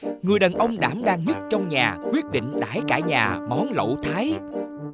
người đàn ông đảm đang nhất trong nhà quyết định đãi cả nhà món lẩu thái